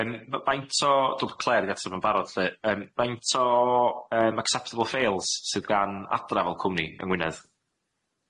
Yym ma' faint o dwi'm Clare di atab o yn barod lly yym faint o yym acceptable fails sydd gan adra fel cwmni yng Ngwynedd?